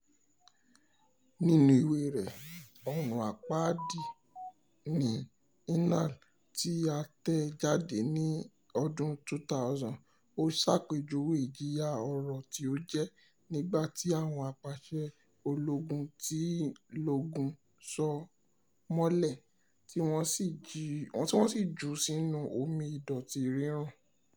Nínú ìwée rẹ̀, “Ọ̀run-àpáàdì ní Inal“, tí a tẹ̀ jáde ní ọdún 2000, ó ṣàpèjúwe ìjìyà-oró tí ó jẹ, nígbà tí àwọn apàṣẹ ológun dì í lójú, so ó mọ́lẹ̀, tí wọ́n sì jù ú sínú omi ìdọ̀tí rírùn.